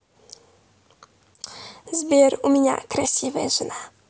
сбер у меня красивая жена